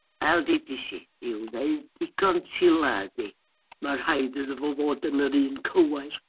Fel ddeudais i, ryw ddeud digon tila ydy "ma' rhaid iddo fo fod yn yr un cywair".